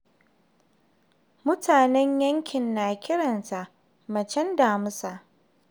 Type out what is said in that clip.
Mutanen yankin na kiranta "macen damisa".